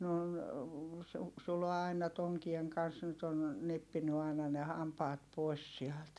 ne on - Sulo aina tonkien kanssa nyt on nyppinyt aina ne hampaat pois sieltä